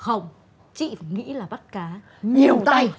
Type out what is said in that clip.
không chị thì nghĩ là bắt cá nhiều tay